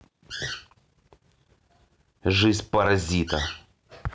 жизнь паразита